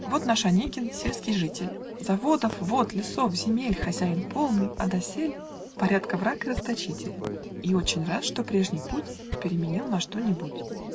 Вот наш Онегин - сельский житель, Заводов, вод, лесов, земель Хозяин полный, а досель Порядка враг и расточитель, И очень рад, что прежний путь Переменил на что-нибудь.